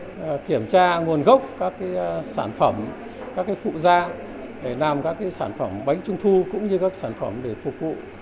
kiểm tra nguồn gốc các cái sản phẩm các cái phụ gia để làm các cái sản phẩm bánh trung thu cũng như các sản phẩm để phục vụ